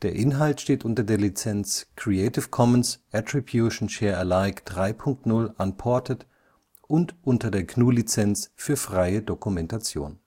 Inhalt steht unter der Lizenz Creative Commons Attribution Share Alike 3 Punkt 0 Unported und unter der GNU Lizenz für freie Dokumentation